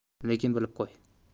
lekin bilib qo'y